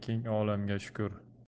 keng olamga shukur